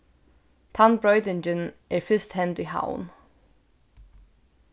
tann broytingin er fyrst hend í havn